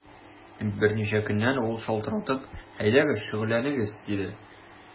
Берничә көннән ул шалтыратып: “Әйдәгез, шөгыльләнегез”, диде.